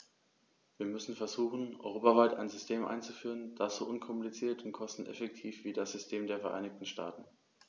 Wir müssen versuchen, europaweit ein System einzuführen, das so unkompliziert und kosteneffektiv ist wie das System der Vereinigten Staaten.